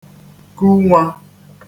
-kù nwā